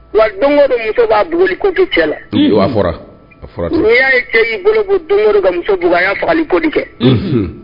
Wa doɲo don muso b'a bugoli ko kɛ cɛ la unhun a fɔra a fɔra tan n'i y'a ye cɛ y'i bolo bo doŋo don ka muso bugɔ a y'a fagali ko de kɛ unhun